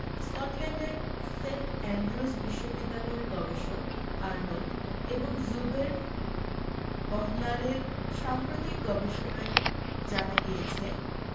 স্কটল্যান্ডের saint Andrews বিশ্ববিদ্যালয়ের গবেষক আরনল্ড এবং জুবেরবহলারের সাম্প্রতিক গবেষণায় জানা গিয়েছে